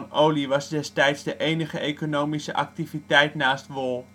olie was destijds de enige economische activiteit naast wol